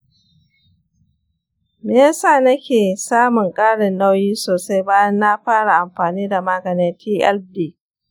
me ya sa nake samun ƙarin nauyi sosai bayan na fara amfani da maganin tld?